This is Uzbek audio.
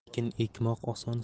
ekin ekmoq oson